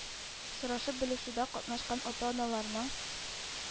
Сорашып-белешүдә катнашкан ата-аналарның